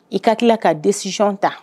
I ka tila ka disitiɔn ta